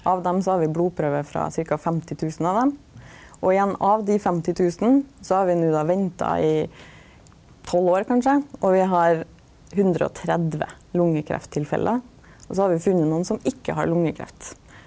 av dei så har vi blodprøver frå ca. 50000 av dei, og igjen av dei 50000 så har vi no då venta i tolv år kanskje og vi har 130 lungekrefttilfelle, og så har vi funne nokon som ikkje har lungekreft.